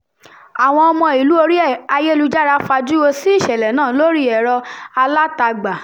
Àwọn ọmọ ìlú orí ayélujára fajúro sí ìṣẹ̀lẹ̀ náà lórí ẹ̀rọ alátagbà: